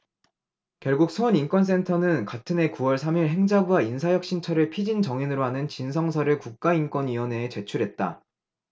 결국 수원인권센터는 같은 해 구 월 삼 일 행자부와 인사혁신처를 피진정인으로 하는 진성서를 국가인권위원회에 제출했다